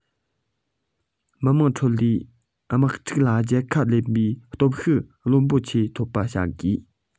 མི དམངས ཁྲོད ལས དམག འཁྲུག ལ རྒྱལ ཁ ལེན པའི སྟོབས ཤུགས རླབས པོ ཆེ འཐོབ པ བྱ དགོས